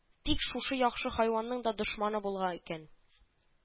Тик, шушы яхшы хайванның да дошманы була икән